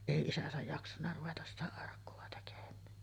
ei isänsä jaksanut ruveta sitä arkkua tekemään